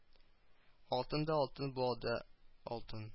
Алтын да алтын бу да алтын